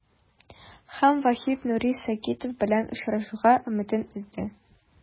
Һәм Вахит Нури Сагитов белән очрашуга өметен өзде.